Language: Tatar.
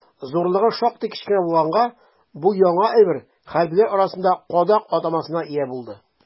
Зурлыгы шактый кечкенә булганга, бу яңа әйбер хәрбиләр арасында «кадак» атамасына ия булды.